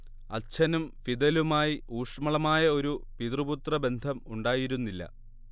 അച്ഛനും ഫിദലുമായി ഊഷ്മളമായ ഒരു പിതൃ പുത്രബന്ധം ഉണ്ടായിരുന്നില്ല